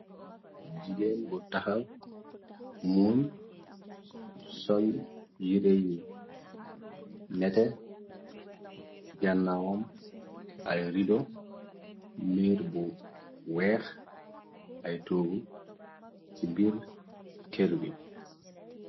Jigeen bu taxal muñ sol yireyu nete ci gannawam ay rido mbiir bu weex ay toobu ci bir kër bi.